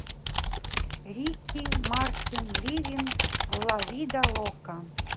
ricky martin livin la vida loca